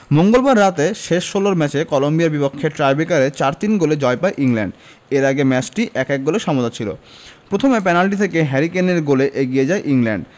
মঙ্গলবার রাতে শেষ ষোলোর ম্যাচে কলম্বিয়ার বিপক্ষে টাইব্রেকারে ৪ ৩ গোলে জয় পায় ইংল্যান্ড এর আগে ম্যাচটি ১ ১ গোলে সমতা ছিল প্রথমে পেনাল্টি থেকে হ্যারি কেইনের গোলে এগিয়ে যায় ইংল্যান্ড